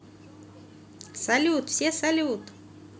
салют все салют